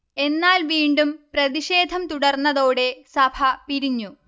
എന്നാൽ വീണ്ടും പ്രതിഷേധം തുടർന്നതോടെ സഭ പിരിഞ്ഞു